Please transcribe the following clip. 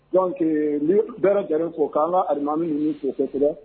Donc n bɛ bɛɛ lajɛlen fo ka an ka alimaami ninnu fo kosɛbɛ